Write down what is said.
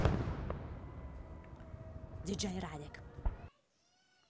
dj radik